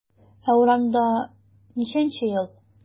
Ә урамда ничәнче ел?